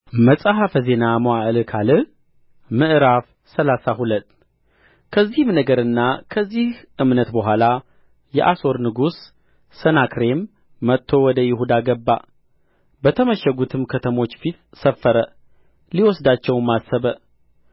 መጽሐፈ ዜና መዋዕል ካልዕ ምዕራፍ ሰላሳ ሁለት ከዚህም ነገርና ከዚህ እምነት በኋላ የአሦር ንጉሥ ሰናክሬም መጥቶ ወደ ይሁዳ ገባ በተመሸጉትም ከተሞች ፊት ሰፈረ ሊወስዳቸውም አሰበ